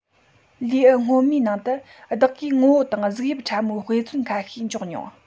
ལེའུ སྔོན མའི ནང དུ བདག གིས ངོ བོ དང གཟུགས དབྱིབས ཕྲ མོའི དཔེ མཚོན ཁ ཤས འཇོག མྱོང